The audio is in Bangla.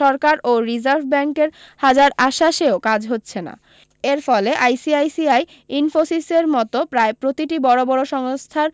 সরকার ও রিজার্ভ ব্যাঙ্কের হাজার আশ্বাসেও কাজ হচ্ছে না এর ফলে আইসিআইসিআই ইনফোসিসের মতো প্রায় প্রতিটি বড় বড় সংস্থার